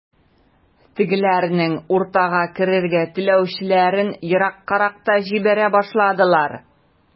Тегеләрнең уртага керергә теләүчеләрен ераккарак та җибәрә башладылар.